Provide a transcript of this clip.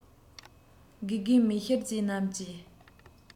དགེ རྒན མིག ཤེལ ཅན རྣམས ཀྱིས